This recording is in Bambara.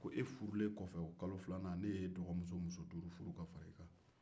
a ko e furu len kɔfɛ o kalo filanan ne e dɔgɔmuso min sutu-furu ka fara e kan